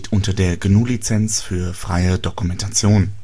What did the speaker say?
unter der GNU Lizenz für freie Dokumentation